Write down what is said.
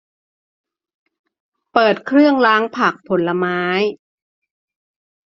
เปิดเครื่องล้างผักผลไม้